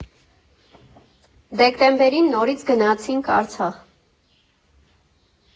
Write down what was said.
Դեկտեմբերին նորից գնացինք Արցախ։